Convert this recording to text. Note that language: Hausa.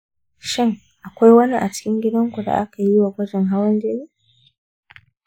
shin akwai wani a cikin gidanku da aka yiwa gwajin hawan-jini?